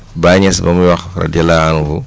Baye Niass ba muy wax radi yallaahu anhu